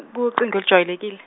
kucingo olujwayelekile.